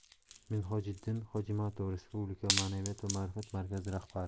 minhojiddin hojimatov respublika ma'naviyat va ma'rifat markazi rahbari